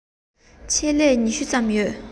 ཆེད ལས ཉི ཤུ ལྷག ཙམ ཡོད རེད